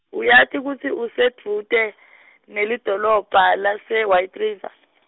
uyati kutsi usedvute, nelidolobha lase- White River ?